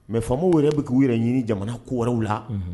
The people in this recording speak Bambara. Mɛ faama wɛrɛ bɛ' yɛrɛ ɲini jamana ko wɛrɛw la